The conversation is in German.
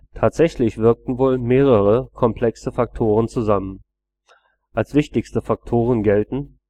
tatsächlich wirkten wohl mehrere komplexe Faktoren zusammen. Als wichtigste Faktoren gelten